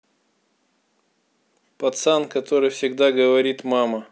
пацан который всегда говорит мама